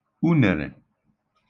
unèrè